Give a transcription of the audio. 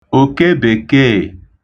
òkebèkeè